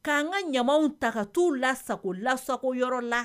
K'an ka ɲamaw taga' la sagogo lasa yɔrɔ la